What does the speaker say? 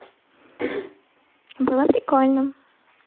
было прикольно